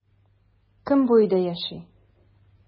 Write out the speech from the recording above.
Кем бу өйдә яши?